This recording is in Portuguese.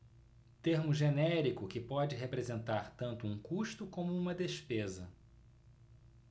termo genérico que pode representar tanto um custo como uma despesa